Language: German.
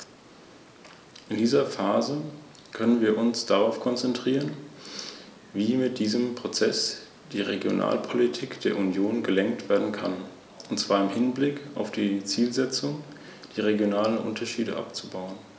Gestatten Sie mir noch einen letzten Hinweis.